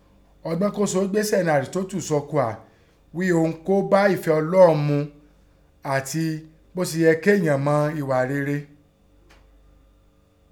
Ọgbọ́n ó gbésẹ́ nẹ Àrísítóótù ghí kò há íi ihun kọ́ bá ẹ̀fẹ́ Ọlọ́un mu àtẹn bó e yẹ kọ́ọ́yàn mọ ẹ̀ghà rere.